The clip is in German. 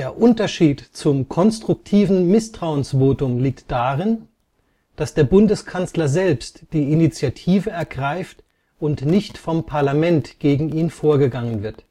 Unterschied zum konstruktiven Misstrauensvotum liegt darin, dass der Bundeskanzler selbst die Initiative ergreift und nicht vom Parlament gegen ihn vorgegangen wird